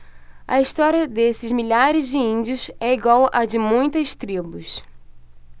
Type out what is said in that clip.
a história desses milhares de índios é igual à de muitas tribos